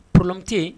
Pte